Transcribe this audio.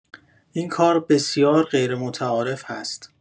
این کار بسیار غیرمتعارف هست.